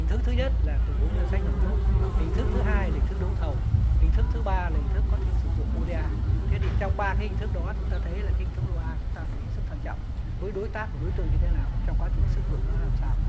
hình thức thứ nhất là từ vốn ngân sách nhà nước hình thức thứ hai là hình thức đấu thầu hình thức thứ ba là hình thức có thể sử dụng u đê a thế thì trong ba cái hình thức đó chúng ta thấy là hình thức đu a chúng ta phải hết sức thận trọng với đối tác và đối tượng như thế nào và trong quá trình sử dụng nó ra làm sao